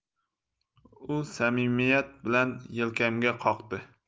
u samimiyat bilan yelkamga qoqdi